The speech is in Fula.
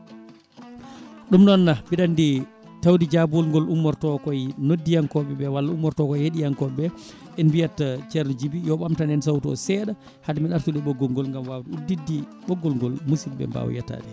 ɗum noon mbiɗa andi tawde jabuwol ngol ummorto koye noddiyankoɓeɓe walla ummorto koye heɗiyankoɓeɓe en mbiyat ceerno Djiby yo ɓamtan en sawto o seeɗa haademen artude e ɓoggol gol gaam wawde uddidde ɓoggol ngol musibɓe mbawa yettade